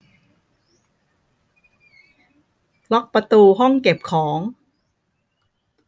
ล็อกประตูห้องเก็บของ